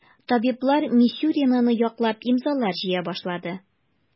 Табиблар Мисюринаны яклап имзалар җыя башлады.